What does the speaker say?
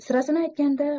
sirasini aytganda